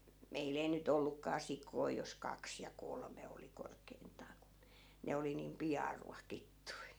meillä ei nyt ollutkaan sikoja jos kaksi ja kolme oli korkeintaan kun ne oli niin pian ruokittu